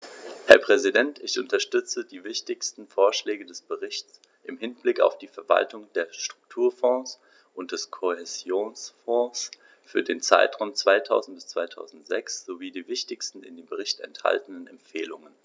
Herr Präsident, ich unterstütze die wichtigsten Vorschläge des Berichts im Hinblick auf die Verwaltung der Strukturfonds und des Kohäsionsfonds für den Zeitraum 2000-2006 sowie die wichtigsten in dem Bericht enthaltenen Empfehlungen.